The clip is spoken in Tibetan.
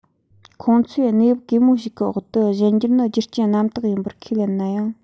ཁོང ཚོས གནས བབ གེ མོ ཞིག གི འོག ཏུ གཞན འགྱུར ནི རྒྱུ རྐྱེན རྣམ དག ཡིན པར ཁས ལེན ན ཡང